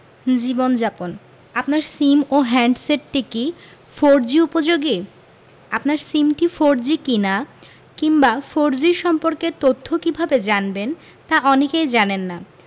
জীবনযাপন আপনার সিম ও হ্যান্ডসেট কি ফোরজি উপযোগী আপনার সিমটি ফোরজি কিনা কিংবা ফোরজি সম্পর্কে তথ্য কীভাবে জানবেন তা অনেকেই জানেন না